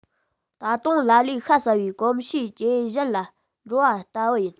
ད དུང ལ ལའི ཤ ཟ བའི གོམས གཤིས ཇེ ཞན ལ འགྲོ བ ལྟ བུ ཡིན